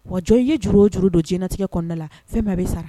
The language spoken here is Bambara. Wa jɔn in ye juru o juru don jinɛtigɛ kɔnɔnada la fɛn bɛ sara